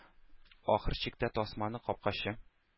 Ахыр чиктә тасманы капкачы